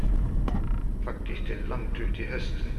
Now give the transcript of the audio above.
Faktisk til langt ut i høsten.